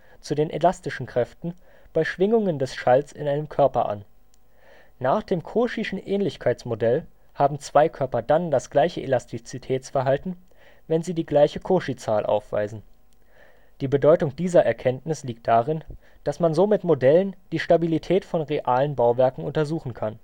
zu den elastischen Kräften bei Schwingungen des Schalls in einem Körper an. Nach dem Cauchyschen Ähnlichkeitsmodell haben zwei Körper dann das gleiche Elastizitätsverhalten, wenn sie die gleiche Cauchy-Zahl aufweisen. Die Bedeutung dieser Erkenntnis liegt darin, dass man so mit Modellen die Stabilität von realen Bauwerken untersuchen kann